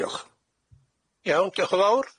Diolch. Iawn, diolch'n fawr.